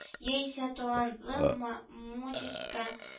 Яисә талантлы ма модистка